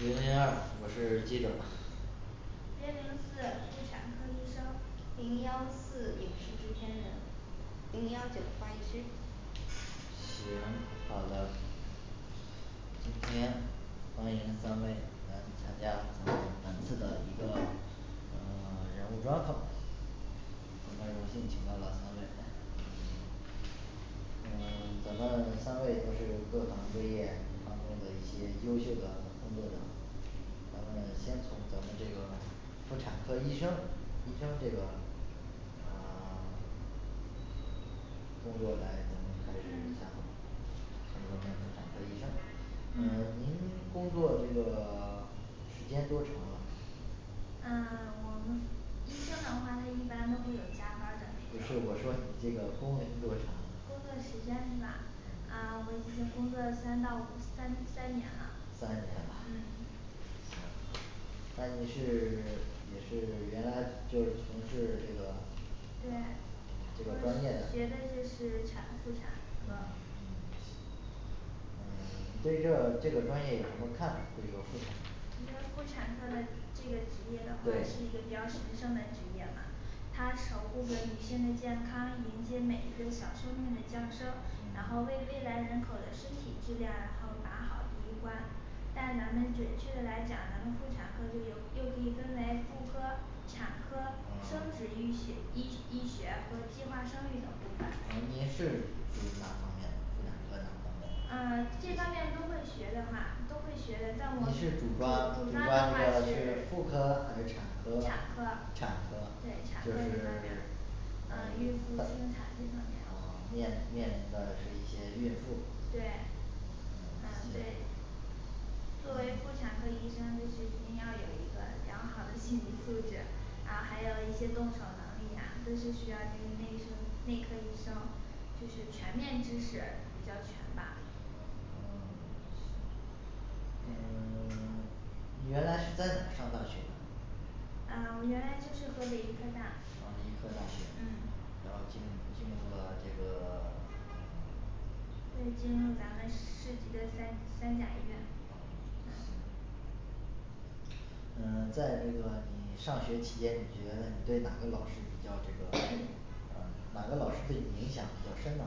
零零二我是记者零零四妇产科医生零幺四影视制片人零幺九花艺师行好的今天欢迎三位来参加咱们本次的一个呃 人物专访。咱们荣幸请到了三位，嗯 呃咱们三位都是各行各业当中的一些优秀的工作者嗯从咱们妇产科儿医生呃嗯您工作这个 时间多长了？嗯 我们医生的话一般都是有加班儿的，不是我说你工龄多长工作时间是吧？啊我们已经工作了三到五三三年了三年了，嗯嗯行那你是 也是原来就是从事这个对啊，这个专业呢，，学的就嗯，是行产妇产科儿嗯 你对这个这个专业有什么看法儿？这个妇产科因为妇产科儿的这个职业的话是一个对比较神圣的职业嘛她守护着女性的健康，迎接每一个小生命的降生，然后嗯为未来人口的身体质量然后把好第一关。但咱们准确的来讲，咱们妇产科就有又可以分为妇科、产科、生殖医啊学、医医学和计划生育等部分，呃这方面都会学的话都会学的，但我们你主是主主抓的抓主抓话就要是是妇科还，是产产科，对科，，产产科，科就是这方面儿嗯呃大孕妇生产这方面哦，对，嗯对面面临的是一些孕妇对啊嗯行对作为妇嗯产科医生就是一定要有一个良好的心理素质，然后还有一些动手能力呀都是需要内内科内科医生就是全面知识比较全吧。嗯 嗯 你原来是在哪上大学的？嗯，我原来就是河北医科嗯大医科大学嗯，然后进进入了这个 对，进入咱们市级的三三甲医院。嗯嗯呃在那个你上学期间，你觉得你对哪个老师比较这个& &呃哪个老师对你影响比较深呢？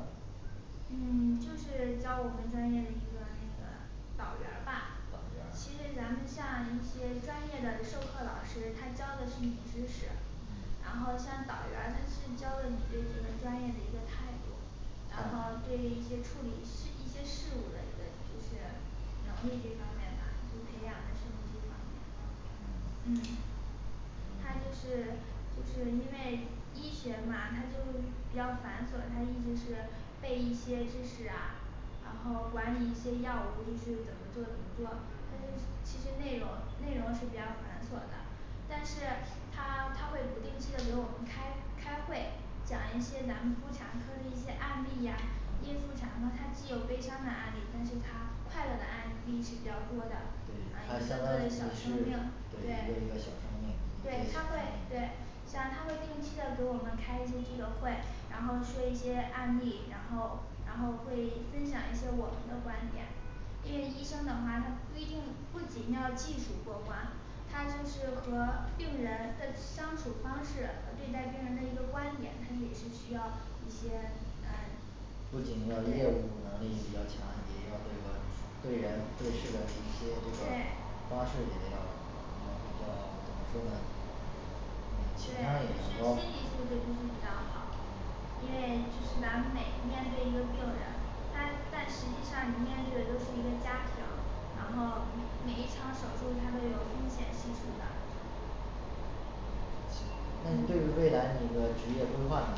呃就是教我们专业的一个那个导员儿吧导员，儿其实咱们像一些专业的授课老师，他教的是一种知识，嗯然后像导员儿他是教的你对这个专业的一个态度然后嗯对于一些处理事一些事物的一个就是能力这方面吧就培养的你是这方面嗯嗯他就嗯是就是因为医学嘛他就比较繁琐，他一直是背一些知识啊，然后管理一些药物就是怎么做怎么做，但是嗯其实内容内容是比较繁琐的但是他他会不定期的给我们开开会，讲一些咱们妇产科儿的一些案例呀。因为妇产科儿他既有悲伤的案例，但是他快乐的案例是比较多的对。，他呃一相当个个于小，生是命，对一个个小生命，一对，对个他个会小，生对命对呀，他会定期的给我们开一些这个会，然后说一些案例，然后然后会分享一些我们的观点因为医生的话他不一定不仅要技术过关，他就是和病人的相处方式对待嗯病人的一个观点，他也是需要一些呃不仅要业务的能力比较强，也要这个对人对事的那些这个对方式也要嗯比较怎么说呢嗯，其情实就是商也心要高理素质必须比较好。因嗯为就是把每面对一个病人，但但实际上你面对的都是一个家庭，然后每一场手术他都有风险系数儿的嗯行那你对于嗯未来你的职业规划呢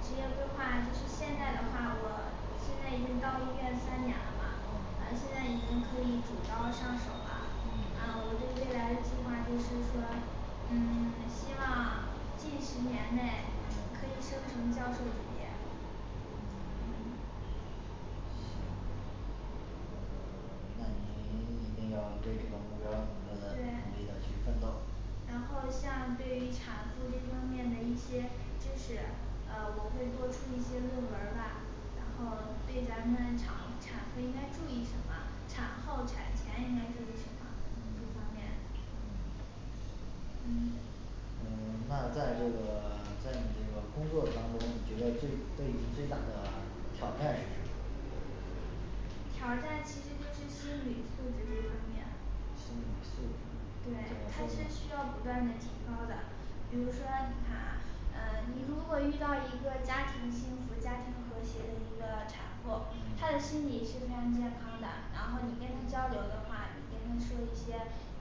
职业规划就是现在的话我现在已经到医院三年了嘛嗯，呃现在已经可以主刀上手了。啊嗯我对未来计划就是说嗯 希望近十年内可以嗯升成教授级别嗯嗯嗯呃那你一定要为这个目标儿什么的努力的对去奋斗然后像对于产妇这方面的一些知识，呃我会做出一些论文儿吧然后对咱们场产妇应该注意什么？产后产前应该注意什么？这方嗯面，嗯嗯嗯 那在这个 在你这个工作当中，你觉得最对你最大的挑战是什么？挑战其实就是心理素质这方面。心理素质，对，他是需要不断的提高的。 比如说嗯你看啊，呃你如果遇到一个家庭幸福家庭和谐的一个产妇，她的嗯心理是非常健康的，然后你跟她交流的嗯话，你跟她说一些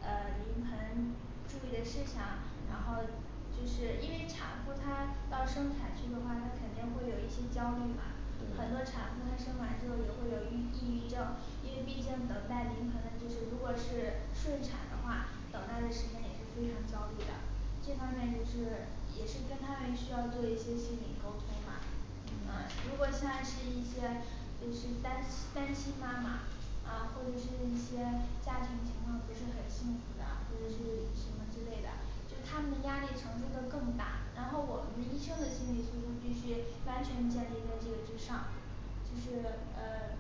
呃临盆注意的事项，然后嗯就是因为产妇她到生产区的话，她肯定会有一些焦虑嘛，很多产妇对她生完之后就会有抑抑郁症，因为毕竟等待时长那就是如果是顺产的话，等待的时间也是非常焦虑的这方面就是也是跟她们需要做一些心理沟通嘛，啊嗯。如果像一些一些就是单亲单亲妈妈啊或者是一些家庭情况不是很幸福的，或者是什嗯么之类的，就他们的压力承受的更大，然后我们的医生的心理素质必须完全建立在这个之上。就是呃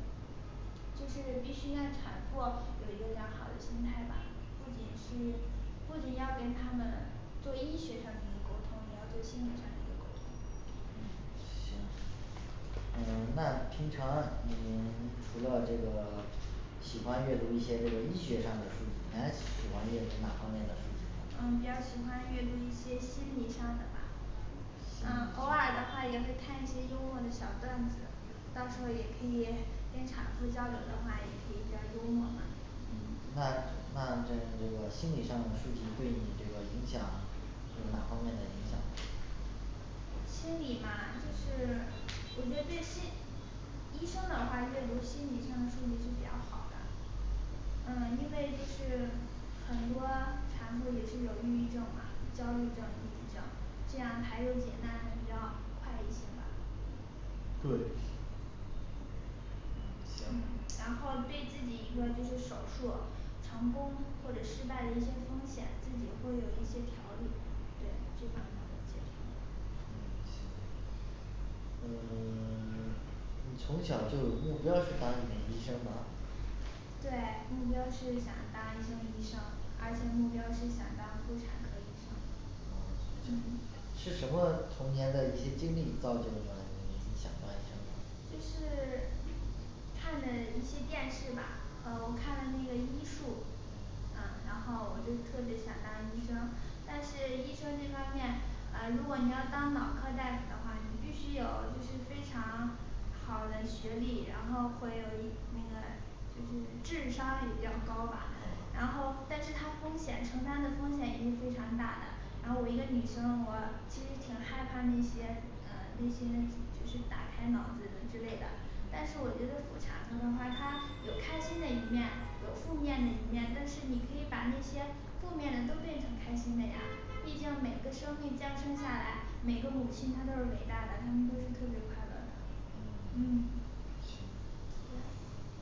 就是必须让产妇有一个良好的心态嘛，不仅是不仅要跟她们做医学上的一个沟通，也要做心理上的一个沟通。嗯，行呃 那平常你 除了这个 喜欢阅读一些这个医学上的书籍，你还喜欢阅读哪方面的呃书籍呢？比较喜欢阅读一些心理上的吧。嗯，偶嗯尔的话也会看一些幽默的小段子到时候儿也可以跟产妇交流的话，也可以比较幽默嘛嗯那嗯那在这个心理上的书籍对你这个影响有哪方面的影响心理嘛。就是嗯我觉得对心医生的话阅读心理上的书籍是比较好的。嗯因为就是很多产妇也是有抑郁症嘛、焦虑症、抑郁症，这样排忧解难还比较快一些吧个体嗯嗯，行然后对自己一个就是手术成功或者失败的一些风险，自己会有一些调理。对。这方面儿会有一些调理嗯，行呃 你从小就有目标儿是当一名医生吗。对，目标儿是想当一名医生，而且目标儿嗯是想当妇产科医生。嗯从小是什么童年的一些经历造就了你想当医生呢就是看的一些电视吧，呃我看了那个医术嗯啊然后我就是特别想当医生，但是医生这方面呃如果你要当脑科儿大夫的话，你必须有就是非常好的学历，然后会有一那个就是智商也比较高吧，然嗯后但是他风险承担的风险也是非常大的然后我一个女生我其实挺害怕那些呃那些就是打开脑子之类的，但是我嗯觉得妇产科的话他有开心的一面，有负面的一面，但是你可以把那些负面的都变成开心的呀，毕竟每个生命降生下来，每个母亲她都是伟大的，她们都是特别快乐的。嗯嗯行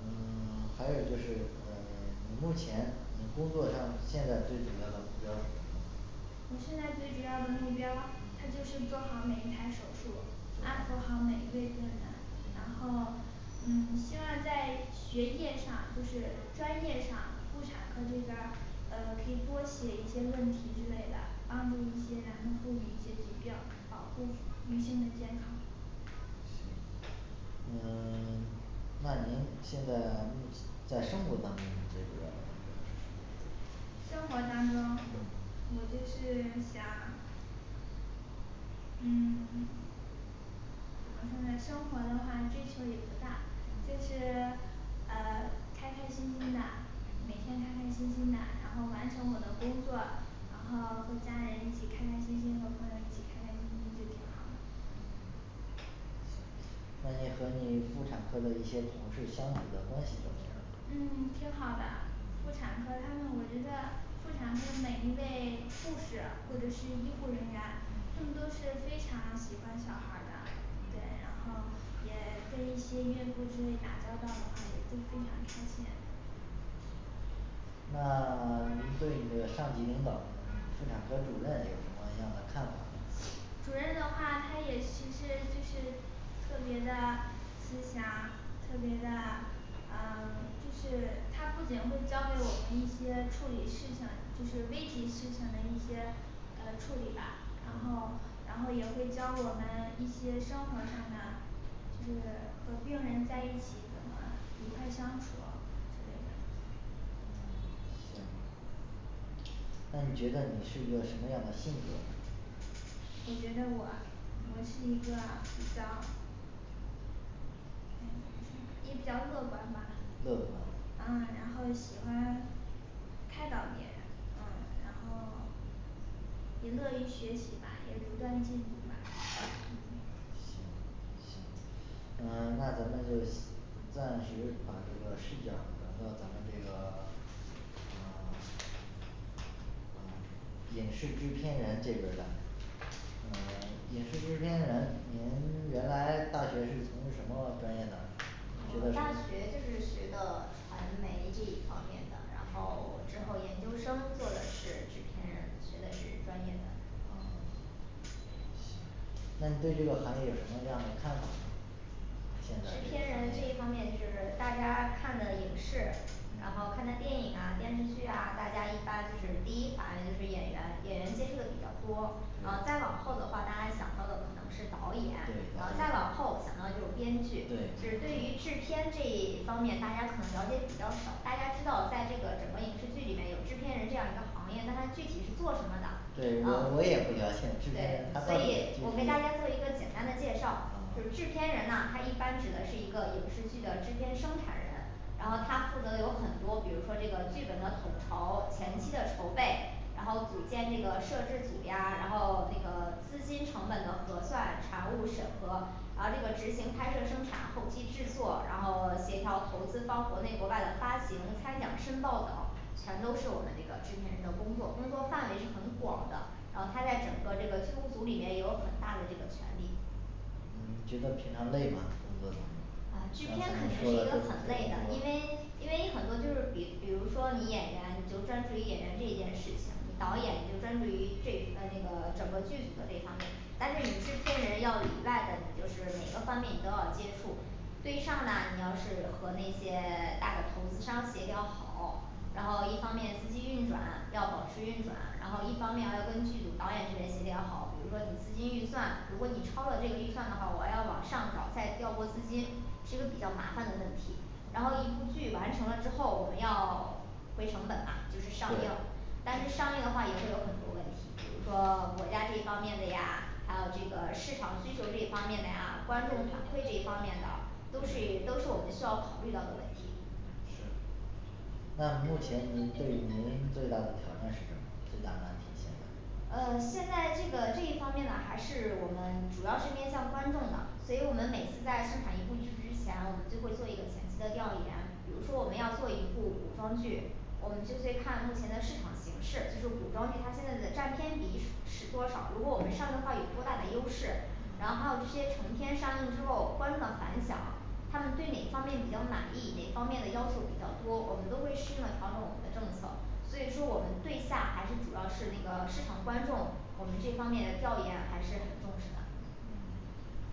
嗯 还有就是呃 目前你工作上现在最主要的目标儿是什么呢？我现在最主要的目标儿那就是做嗯好每一台手术，安做抚好好每每一位一台，病人，嗯然后嗯 希望在学业上就是专业上妇产科儿这边儿呃可以多写一些论题之类的，帮助一些咱们妇女一些疾病保护女女性的健康。行呃 那您现在目前在生活当中你最主要的目标是什么生活当中，嗯我就是想，嗯 怎么说呢生活的话追求也不大，就嗯是呃开开心心的，每天开嗯开心心的，然后完成我的工作，然后和家人一起开开心心和朋友一起的开开心心就挺好的嗯行那你和你妇产科的一些同事相处的关系怎么样呢嗯挺好的妇嗯产科儿他们我觉得妇产科的每一位护士或者是嗯医护人员，他嗯们都是非常喜欢小孩儿的，对，嗯然后也跟一些孕妇之类打交道的话也是非常开心的。嗯行那 您对您这个上级领导妇产科儿主任有什么样的看法儿呢？ 主任的话他也其实就是特别的慈祥，特别的呃就是他不仅会教给我们一些处理事情，就是危及事情的一些呃处理吧，然后然嗯后也会教我们一些生活上的就是和病人在一起怎么愉快相处之类的。嗯，行。那你觉得你是个什么样的性格呢？你觉得我我是一嗯个比较呃也比较乐观吧，乐观嗯，然后喜欢开朗一点的，嗯，然后行行呃那咱们这暂时把这个视角儿转到咱们这个 呃 呃影视制片人这边儿来。嗯 影视制片人您原来大学是从什么专业呢？就是，嗯 我影视制片人您原来大学是从什么专业大呢，学的什么学就是学的传媒这一方面的，然后之后研究生做的是制片人，学的是专业的嗯行。那你对这个行业有什么样的看法儿？制现在片人这一这个方行面业是大家看的影视，然后嗯看的电影啊电视剧啊，大家一般就是第一反应就是演员演员接触的比较多啊再往后的话大家想到的可能是导对演，导再往演后想到的就是编剧，只对于对制片这一方面大家可能了解比较少，大家知道在这个整个影视剧里面有制片人这样一个行业，但它具体是做什么的对我我也不了解 制片人对他，所到底以是我给大家做一个简单的介绍，就是制嗯片人呢它一般指的是一个影视剧的制片生产人然后他负责的有很多，比如说这个剧本的统筹，前期的嗯筹备，然后组建这个摄制组呀，然后那个资金成本的核算、财务审核而这个执行拍摄生产、后期制作，然后协调投资方国内国外的发行、参奖申报等全都是我们这个制片人的工作工作范围很广的，然后他在整个这个剧目组里面有很大的这个权利嗯 觉得平常累吗？工作当呃制片中肯定一个很累的，因为因为很多就是比比如说你演员你就专注于演员这一件事情，导演你就专注于这呃那个整个剧组的这一方面但是你制嗯片人要里外的，你就是每个方面你都要接触，对上呢你要是和那些大的投资商协调好然后一方面资金运转要保持运转，然后一方面还要跟剧嗯组导演这边协调好，比如说你资金预算，如果你超了这个预算的话，我还要往上找再调拨儿资金是一个比较麻烦的问题。然后一部剧完成了之后，我们要回成本啊就是上映对，但是上映的话也会有很多问题，比如说国家这方面的呀，还有这个市场需求这一方面的呀观众反馈这一方面的都是都是我们需要考虑到的问题。嗯是那目前您对您最大的挑战是什么？最大的难题现在呃，现在这个这一方面呢还是我们主要是面向观众的，所以我们每次在生产一部剧之前，我们就会做一个前期的调研比如说我们要做一部古装剧，我们就会看目前的市场形势，就是古装剧它现在的占偏比是是多少，如果我们上的话有多大的优势然后这些嗯成片上映之后观众的反响，他们对哪方面比较满意，哪方面的要求比较多，我们都会适应的调整我们的政策，所以说我们对下还是主要是那个市场观众，我们这方面的调研还是很重视的。嗯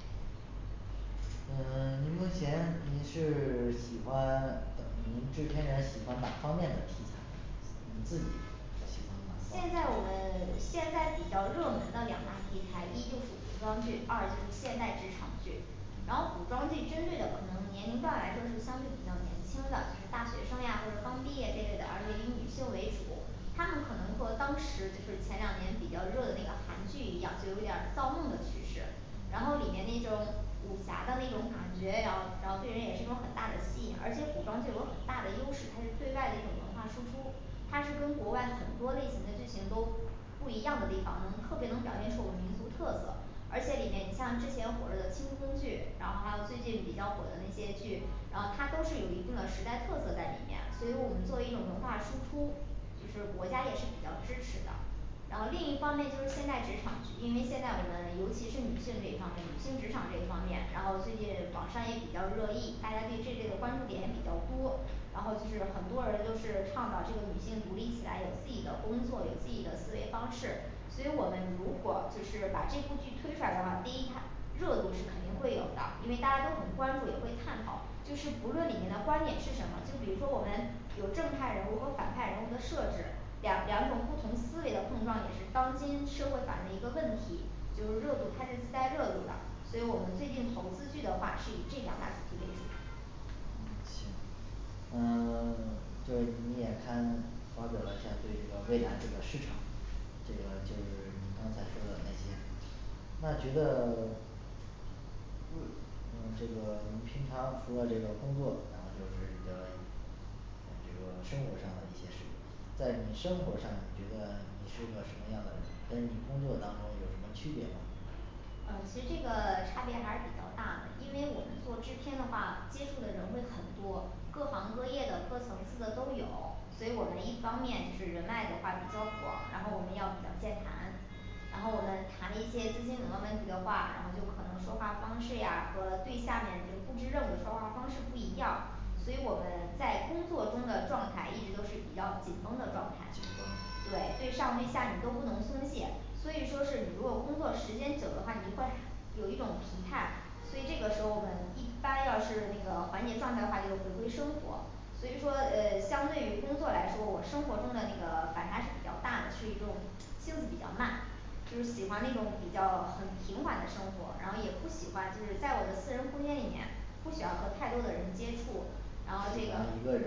嗯 您目前您是喜欢呃您制片人喜欢哪方面的题材呢？你自己哪方面现在我们现在比较热门的两大题材，一就是古装剧，二就是现代职场剧。然后古嗯装剧针对的可能年龄段儿来说是相对比较年轻的，就是大学生呀或者刚毕业这类的，而且以女性为主。他们可嗯能说当时就是前两年比较热的那个韩剧一样，就有点儿造梦的趋势然后里嗯面那种武侠的那种感觉也要，然后对人也是一种很大的吸引，而且古装剧有很大的优势，它是对外的一种文化输出，它是跟国外很多类型的剧情都不一样的地方，能特别能表现出我们民族特色，而且里面你像之前火热的清宫剧，然后还有最近比较火的那些剧，然后它都是有一定的时代特色在里面，所以说我们做一种文化输出，就是国家也是比较支持的。然后另一方面就是现代职场因为现在我们尤其是女性这一方面，女性职场这一方面，然后最近网上也比较热议，大家对这类的关注点比较多，然后就是很多人就是倡导这个女性独立起来，有自己的工作，有自己的思维方式，所以我们如果就是把这部剧推出来的话，第一它热度是肯定会有的，因为大家都很关注也会探讨就是不论里面的观点是什么，就比如说我们有正派人物和反派人物的设置，两两种不同思维的碰撞也是当今社会法的一个问题，就是热度它是自带热度的所以我们最近投资剧的话是以这两大主题为主。嗯行呃 就是你也看发表了一下儿对这个未来这个市场这个就是你刚才说的那些那觉得 不，嗯，这个您平常除了这个工作然后就是你的这个 生活上的一些事情在你生活上你觉得你是一个什么样的人，跟你工作当中有什么区别吗？呃其实这个差别还是比较大的，因为我们做嗯制片的话接触的人会很多，各行各业的各层次的都有，所以我们一方面是人脉的话比较广，然后我们要比较健谈然后我们谈了一些资金流问题的话，然后就可能说话方式呀和对下面就布置任务说话方式不一样，所以我们嗯在工作中的状态一直都是比较紧绷的状态，紧绷对,对上对下你都不能松懈，所以说是你如果工作时间久的话，你会还 有一种疲态所以这个时候儿我们一般要是那个缓解状态的话就是回归生活，所以说呃相对于工作来说，我生活中的那个反差是比较大的，是一种性子比较慢，嗯喜欢那种比较很平缓的生活，然后也不喜欢就是在我的私人空间里面不喜欢和太多的人接触，然后这喜个欢一个人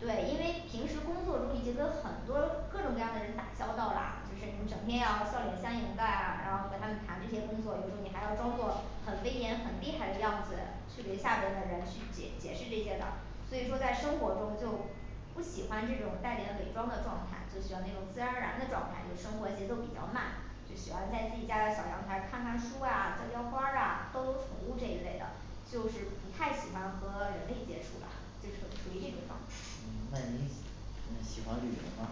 对因为平时工作中已经跟很多各种各样的人打交道了，就是你整天要笑脸相迎的，然后跟他们嗯谈这些工作，有时候儿你还要装作很威严很厉害的样子去给下边儿的人去解解释这些的。所以说在生嗯活中就不喜欢这种带点儿伪装的状态，就喜欢那种自然而然的状态，就生活节奏比较慢，就喜欢在自己家的小阳台儿上看看书啊浇浇花儿啊逗逗宠物这一类的就是不太喜欢和人类接触吧， 就处于处于这种状态。嗯，那您嗯喜欢旅游吗？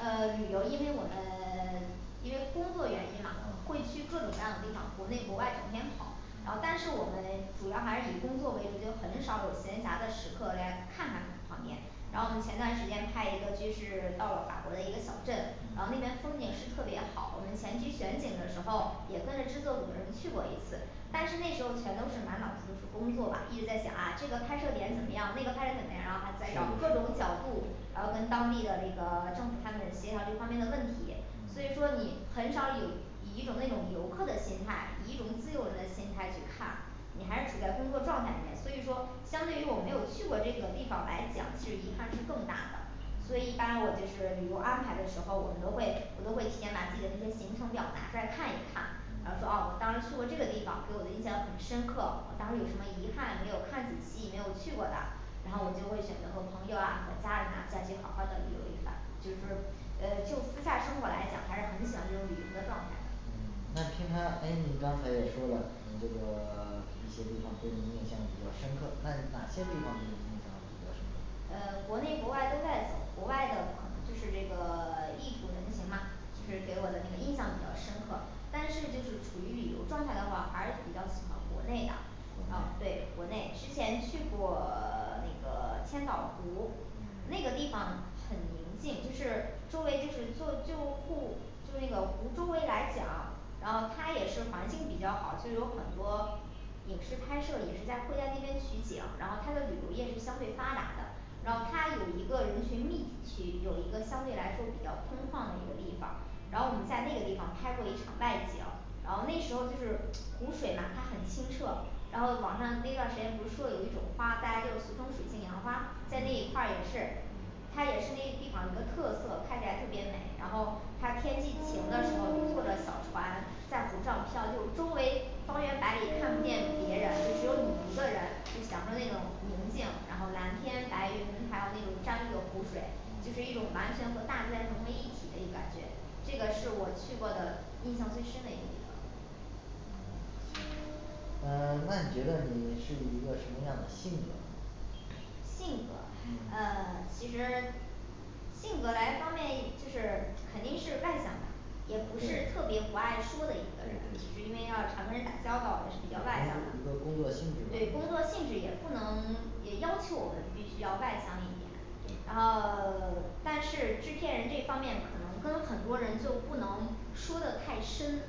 呃 旅游，因为我们 因为工作原因嘛会去嗯各种各样的地方，国内国外整天嗯跑，然后但是嗯我们主要还是以工作为主，就很少有闲暇的时刻来看看旁边然后我们前嗯段时间拍一个就是到了法国的一个小镇，然后那边儿嗯风景是特别好，我们前期选景的时候也跟着制作组的人去过一次但是那时候儿全都是满脑子都是工作吧，一直在想啊这个拍摄点怎么样那个拍摄怎嗯么样，然后还在找是各种是角度是，然后跟当地的那个政府他们协调这方面的问题，所以说嗯你很少有以一种那种游客的心态，以一种自由的心态去看，你还是处在工作状态里面，所以说相对于我没有去过这几个地方来讲，这遗憾是更大的所以一般我嗯就是旅游安排的时候，我们都会我都会提前把自己的那些行程表拿出来看一看，呃说嗯哦我当时去过这个地方，给我的印象很深刻，我当时有什么遗憾没有看仔细没有去过的，然后我就会选择和朋友啊和家人啊再去好好的旅游一番，就是呃就私下生活来讲还是很喜欢这种旅游的状态的嗯那平常诶你刚才也说了，你这个 一些地方对你印象比较深刻，那哪些地方对你印象比较深刻？呃国内国外都在走，国外的可能就是这个 异土人情嘛就是给我的嗯那个印象比较深刻，但是就是处于旅游状态的话还是比较喜欢国内的。哦，对国内国内之前去过 那个千岛湖，嗯那个地方很宁静，就是周围就是就就湖就那个湖周围来讲，然后他也是环境比较好，就有很多影视拍摄也是在会在那边取景，然后它的旅游业是相对发达的，然后它嗯有一个人群密集区，有一个相对来说比较空旷的一个地方儿然后我们嗯在那个地方儿拍过一场外景儿，然后那时候儿就是湖水嘛它很清澈，然后网上那段儿时间不是说有一种花，大家都俗称水性杨花儿，在那嗯一块儿也是嗯它也是那个地方儿的一个特色，看起来特别美，然后它天气晴的时候就坐着小船在湖上漂，就周围方圆百里嗯看不见别人，就只有你一个人就享受那种宁静，然后蓝天白云，还有那种山水湖水，就是一嗯种完全和大自然融为一体的一感觉。这个是我去过的印象最深的一个地方。嗯行呃 那你觉得你是一个什么样的性格儿呢？性格儿嗯呃其实性格来方面就是肯定是外向的，也不是特别嗯不爱说的对一个人，其实对，因为要常跟人打交道也是你比的较外向的，你对的工工作作性性质质也不能也要求我们必须要外向一点。然对后 但是制片人这一方面可能跟很多人就不能说的太深。